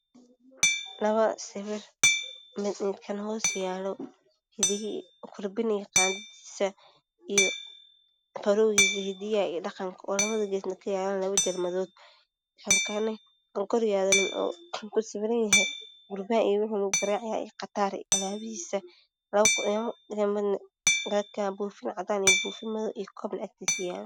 Labo sawir mid uu kankala hoos yaalo hidaha iyo dhaqan ka